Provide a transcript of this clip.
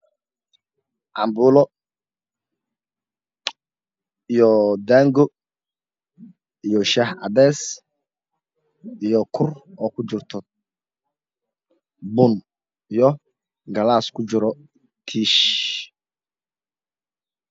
Cambuulo iyo daango iyo shax cadeys iyo kur oo kujirto bun iyo galaas kujiro tiish